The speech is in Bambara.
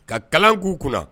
Ka kalan k'u kunna